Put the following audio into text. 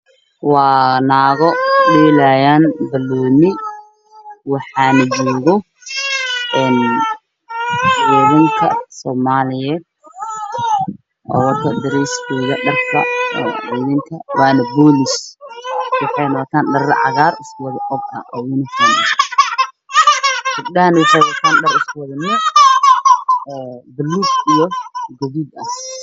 Waa naago dheelayaan banooni waxaana jooga niman boolis ah oo soomaali ah